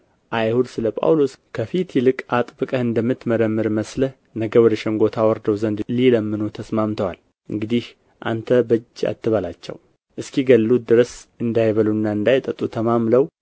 አይሁድ ስለ ጳውሎስ ከፊት ይልቅ አጥብቀህ እንደምትመረምር መስለህ ነገ ወደ ሸንጎ ታወርደው ዘንድ ሊለምኑህ ተስማምተዋል እንግዲህ አንተ በጅ አትበላቸው እስኪገድሉት ድረስ እንዳይበሉና እንዳይጠጡ ተማምለው